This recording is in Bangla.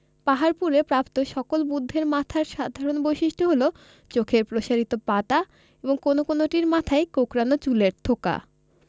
পাহাড়পুরে প্রাপ্ত সকল বুদ্ধের মাথার সাধারণ বৈশিষ্ট্য হলো চোখের প্রসারিত পাতা এবং কোন কোনটির মাথায় কোকড়ানো চুলের থোকা